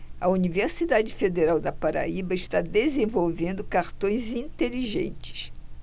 a universidade federal da paraíba está desenvolvendo cartões inteligentes